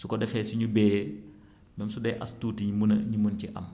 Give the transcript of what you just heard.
su ko defee su ñu bayee même su dee as tuuti mën a ñu mën cee am